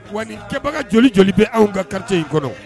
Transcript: Wa ninkɛbaga joli joli bɛ anw kate in kɔnɔ